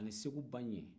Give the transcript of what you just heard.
ani segu baɲɛ